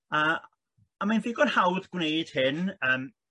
a a mae'n ddigon hawdd gwneud hyn yym